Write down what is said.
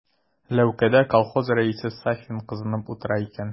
Ләүкәдә колхоз рәисе Сафин кызынып утыра икән.